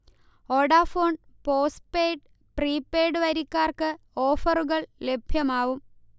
Vodafone postpaid, prepaid വരിക്കാർക്ക് ഓഫറുകൾ ലഭ്യമാവും